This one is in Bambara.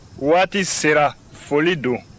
waati sera foli don